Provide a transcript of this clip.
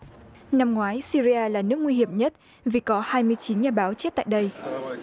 năm ngoái sy ri a là nước nguy hiểm nhất vì có hai mươi chín nhà báo chết tại đây